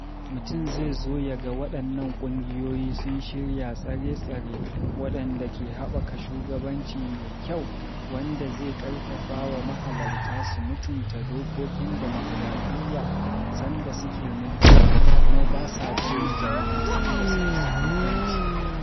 Mutum zai so ya ga waɗannan ƙungiyoyi sun shirya tsare-tsare waɗanda ke haɓaka shugabanci mai kyau, wanda zai ƙarfafawa mahalarta su mutunta dokokin dimokuradiyya sanda suke mulki, kuma ba sa danne jama'a sanda suka samu ƴanci.